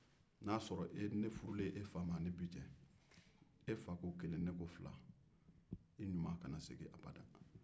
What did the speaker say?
ne y'a sɔrɔ ne furu le e fa ma e fa ko kelen ne ko fila i ɲuman kana segin abada